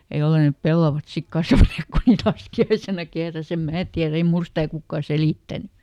ja jos ei ne pellavat sitten kasvaneet kun niitä laskiaisena kehräsi en minä tiedä ei minulle sitä kukaan selittänyt